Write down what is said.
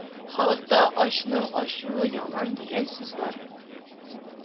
Халыкта Ачның ачуы яман дигән сүз бар